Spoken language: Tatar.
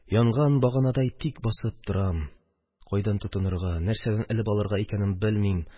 Янган баганадай тик басып торам, кайдан тотынырга, нәрсәдән элеп алырга икәнен белмим.